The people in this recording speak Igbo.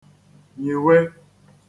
nyìwe